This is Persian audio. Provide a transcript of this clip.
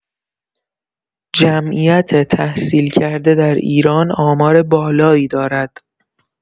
جمعیت تحصیلکرده در ایران آمار بالایی دارد.